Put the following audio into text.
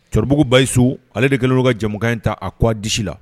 Cɛkɔrɔbaɔribuguba yyi so ale de kɛlen ka jɛ in ta a k koa disi la